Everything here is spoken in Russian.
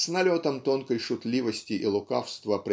с налетом тонкой шутливости и лукавства